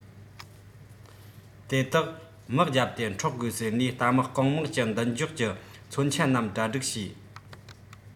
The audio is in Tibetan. དེ དག དམག བརྒྱབ སྟེ འཕྲོག དགོས ཟེར ནས རྟ དམག རྐང དམག གྱི མདུན སྒྱོགས ཀྱི མཚོན ཆ རྣམས གྲ སྒྲིག བྱས